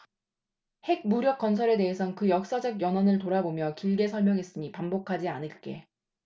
핵무력건설에 대해선 그 역사적 연원을 돌아보며 길게 설명했으니 반복하지 않을게